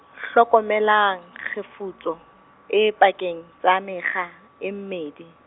hlokomelang, kgefutso, e pakeng tsa mekga, e mmedi.